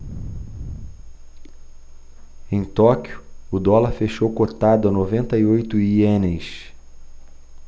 em tóquio o dólar fechou cotado a noventa e oito ienes